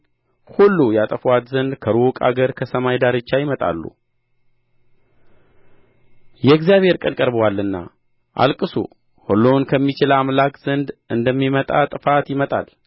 ሁሉ ያጠፉአት ዘንድ ከሩቅ አገር ከሰማይ ዳርቻ ይመጣሉ የእግዚአብሔር ቀን ቀርቦአልና አልቅሱ ሁሉን ከሚችል አምላክ ዘንድ እንደሚመጣ ጥፋት ይመጣል